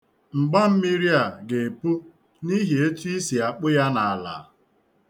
Mgbammiri a ga-epu n'ihi etu i si akpu ya n'ala.